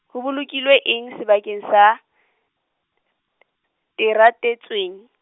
ho bolokilwe eng sebakeng se , teratetsweng.